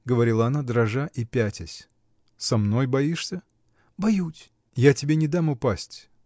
— говорила она, дрожа и пятясь. — Со мной боишься? — Боюсь! — Я тебе не дам упасть.